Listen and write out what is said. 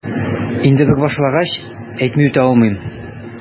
Инде бер башлангач, әйтми үтә алмыйм...